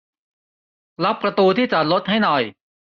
ล็อคประตูที่จอดรถให้หน่อย